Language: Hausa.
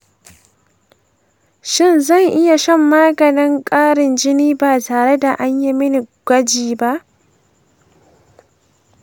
shin zan iya shan maganin ƙarin jini ba tare da an yi mini gwaji ba?